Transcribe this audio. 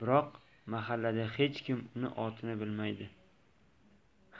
biroq mahallada hech kim uning otini bilmaydi